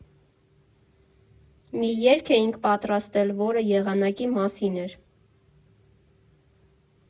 «Մի երգ էինք պատրաստել, որը եղանակի մասին էր։